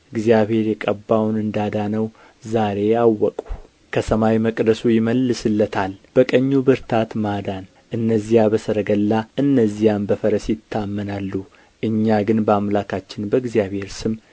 እግዚአብሔር የቀባውን እንዳዳነው ዛሬ አወቅሁ ከሰማይ መቅደሱ ይመልስለታል በቀኙ ብርታት ማዳን እነዚያ በሰረገላ እነዚያም በፈረስ ይታመናሉ እኛ ግን በአምላካችን በእግዚአብሔር ስም